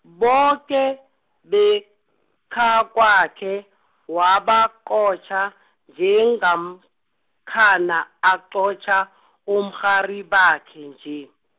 boke, bekhakwakhe, wabaqotjha, njengamkhana, aqotjha , umrharibakhe, nje.